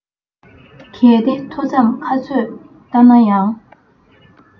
གལ ཏེ མཐོ འཚམས ཁ ཚོད ལྟ ན ཡང